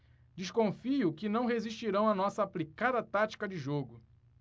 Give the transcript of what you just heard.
desconfio que não resistirão à nossa aplicada tática de jogo